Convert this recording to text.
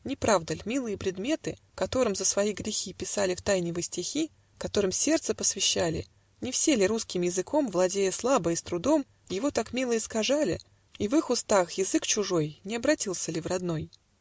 Не правда ль: милые предметы, Которым, за свои грехи, Писали втайне вы стихи, Которым сердце посвящали, Не все ли, русским языком Владея слабо и с трудом, Его так мило искажали, И в их устах язык чужой Не обратился ли в родной?